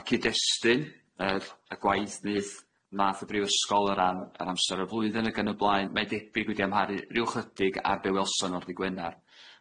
Ma' cyd-destun, yr y gwaith nyth, nath y Brifysgol o ran yr amser o'r flwyddyn ag yn y blaen, mae debyg wedi amharu ryw 'chydig ar be' welson nhw ar ddy' Gwenar.